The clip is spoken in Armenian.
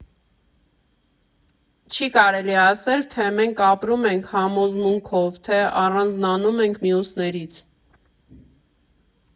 Չի կարելի ասել, թե մենք ապրում ենք համոզմունքով, թե առանձնանում ենք մյուսներից։